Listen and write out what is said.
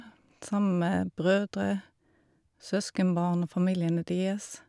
Sammen med brødre, søskenbarn og familiene deres.